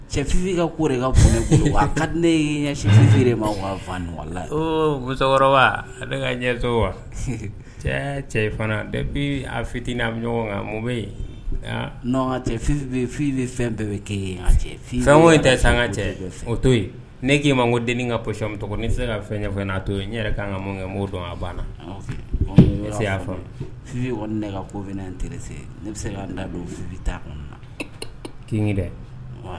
Cɛfin ne musokɔrɔba wa cɛ cɛ bɛɛ bɛ a fitinin ɲɔgɔn kan bɛ yen cɛ fi fɛn bɛɛ bɛ kɛ fɛn in tɛ san ka cɛ o to yen ne k'i ma ko den ka p tɔgɔ n tɛ se ka fɛn n'a to n yɛrɛ ka an ka mun kɛ a banna se'a fi ne ka ko teri ne bɛ se da don bɛ taa na k' dɛ